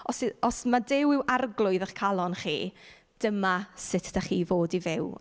os y- os mai Duw yw arglwydd eich calon chi, dyma sut dach chi fod i fyw.